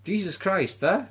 Jesus Christ, be?